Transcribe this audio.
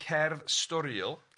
cerdd storiol, cerdd.